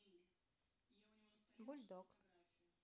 бульдог